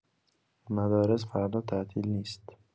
مدارس فردا تعطیل نیست.